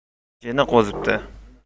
jini qo'zibdi